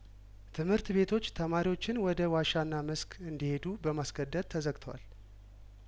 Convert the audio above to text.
ትምህርት ቤቶች ተማሪዎችን ወደ ዋሻና መስክ እንዲሄዱ በማስገደድ ተዘግተዋል